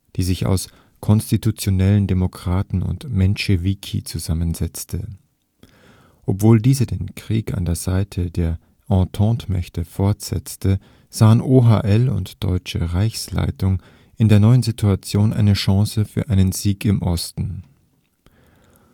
die sich aus Konstitutionellen Demokraten und Menschewiki zusammensetzte. Obwohl diese den Krieg an der Seite der Ententemächte fortsetzte, sahen OHL und deutsche Reichsleitung in der neuen Situation eine Chance für einen Sieg im Osten. Um